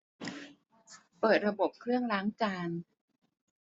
เปิดระบบเครื่องล้างจาน